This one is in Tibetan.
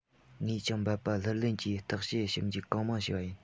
ངས ཀྱང འབད པ ལྷུར ལེན གྱིས བརྟག དཔྱད ཞིབ འཇུག གང མང བྱས པ ཡིན